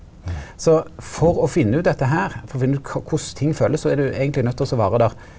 så for å finne ut dette her for å finne ut korleis ting følast så er du eigentleg nøydt til også vere der.